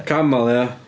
Camel, ia.